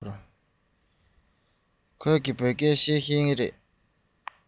ཁོས བོད སྐད ཤེས ཀྱི འདུག གས